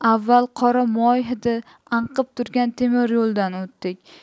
avval qora moy hidi anqib turgan temir yo'ldan o'tdik